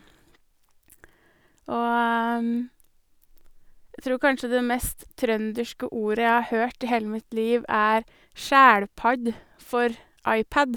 Og jeg tror kanskje det mest trønderske ordet jeg har hørt i hele mitt liv, er skjælpadd for IPad.